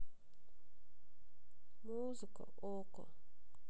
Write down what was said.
музыка окко